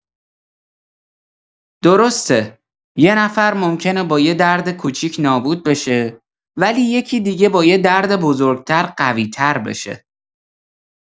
درسته، یه نفر ممکنه با یه درد کوچیک نابود بشه، ولی یکی دیگه با یه درد بزرگ‌تر قوی‌تر بشه.